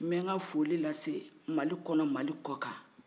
n bɛ n ka foli lase mali kɔnɔ mali kɔ kan